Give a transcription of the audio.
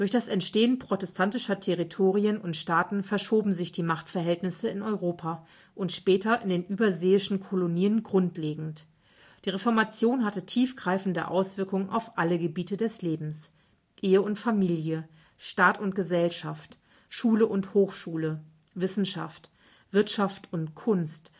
das Entstehen protestantischer Territorien und Staaten verschoben sich die Machtverhältnisse in Europa und später in den überseeischen Kolonien grundlegend. Die Reformation hatte tiefgreifende Auswirkungen auf alle Gebiete des Lebens: Ehe und Familie, Staat und Gesellschaft, Schule und Hochschule, Wissenschaft, Wirtschaft und Kunst